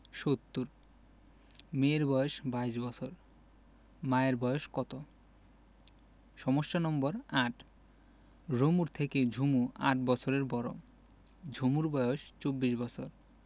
৭০ মেয়ের বয়স ২২ বছর মায়ের বয়স কত সমস্যা নম্বর ৮ রুমুর থেকে ঝুমু ৮ বছরের বড় ঝুমুর বয়স ২৪ বছর